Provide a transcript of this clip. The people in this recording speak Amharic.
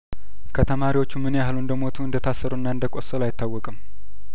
ከተማሪዎቹ ምንያህል እንደሞቱ እንደታሰሩና እንደቆሰሉ አይታወቅም